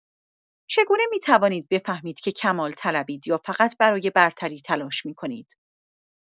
چگونه می‌توانید بفهمید که کمال‌طلبید یا فقط برای برتری تلاش می‌کنید؟